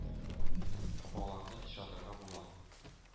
Апаларны очратырга була.